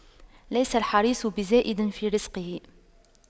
ليس الحريص بزائد في رزقه